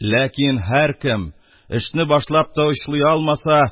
Ләкин һәркем, эшне башлап та очлый алмаса